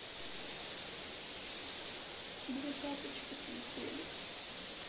две тапочки слетели